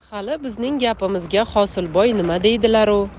hali bizning gapimizga hosilboy nima deydilaru